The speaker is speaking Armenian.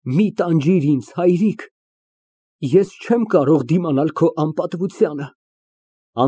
Մի տանջիր ինձ, հայրիկ, ես չեմ կարող դիմանալ քո անպատվությանը։